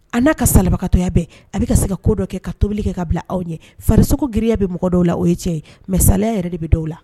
A n'a ka salibagatɔya bɛɛ, a bɛ ka se ka ko dɔ kɛ, ka tobili kɛ ka bila aw ɲɛ.fariso girinya bɛ mɔgɔ dɔw la o ye tiŋɛ ye mais saliya yɛrɛ de bɛ dɔw la.